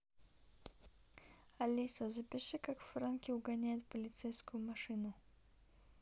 алиса запиши как франки угоняет полицейскую машину